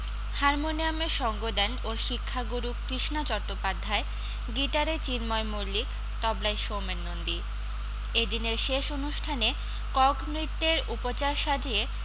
হারমোনিয়ামে সঙ্গ দেন ওর শিক্ষাগুরু কৃষ্ণা চট্টোপাধ্যায় গিটারে চিন্ময় মল্লিক তবলায় সৌমেন নন্দী এ দিনের শেষ অনুষ্ঠানে কক নৃত্যের উপচার সাজিয়ে